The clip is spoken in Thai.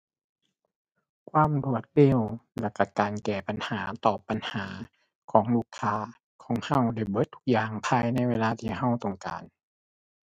ความรวดเร็ว แล้วก็การแก้ปัญหา ตอบปัญหา ของลูกค้า ของก็ได้เบิดทุกอย่าง ภายในเวลาที่ก็ต้องการ